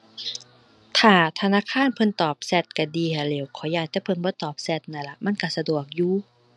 ถ้าธนาคารเพิ่นตอบแชตก็ดีหั้นแหล้ว ข้อยย้านแต่เพิ่นบ่ตอบแชตนั่นล่ะ มันก็สะดวกอยู่